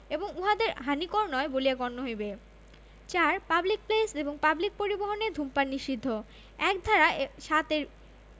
এবংউহাদের হানিকর নয় বলিয়া গণ্য হইবে ৪ পাবলিক প্লেস এবং পাবলিক পরিবহণে ধূমপান নিষিদ্ধঃ ১ ধারা ৭ এর